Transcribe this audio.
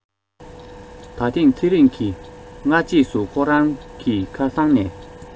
ད ཐེངས ཚེ རིང གིས སྔ རྗེས སུ ཁོ རང གི ཁ སང ནས